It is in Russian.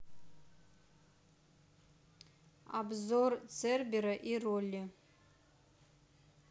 обзор цербера и роли